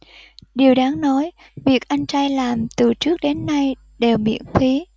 điều đáng nói việc anh trai làm từ trước đến nay đều miễn phí